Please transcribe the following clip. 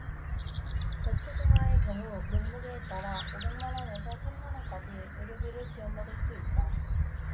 저체중아의 경우 몸무게에 따라 오백 만원에서 천 만원까지 의료비를 지원받을 수 있다